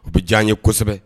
U bɛ diya ye kosɛbɛ